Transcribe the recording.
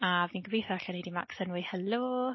A fi'n gobeitho alla i neud i Macsen weud "helo".